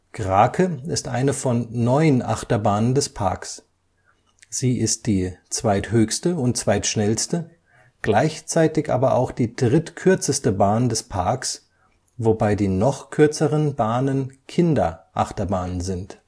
Krake ist eine von neun Achterbahnen des Parks. Sie ist die zweithöchste und zweitschnellste, gleichzeitig aber auch die drittkürzeste Bahn des Parks, wobei die noch kürzeren Bahnen Kinderachterbahnen sind